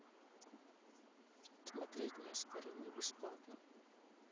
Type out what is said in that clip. смотреть неоспоримый бесплатно